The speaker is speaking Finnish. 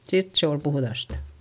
sitten se oli puhdasta